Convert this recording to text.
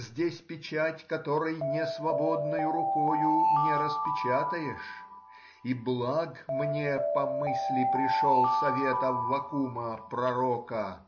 здесь печать, которой несвободною рукой не распечатаешь,— и благ мне по мысли пришел совет Аввакума пророка